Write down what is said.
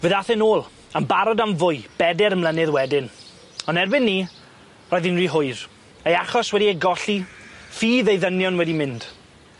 Fe dath e nôl yn barod am fwy beder mlynedd wedyn on' erbyn 'ny roedd 'i'n ry hwyr, ei achos wedi ei golli, ffydd ei ddynion wedi mynd.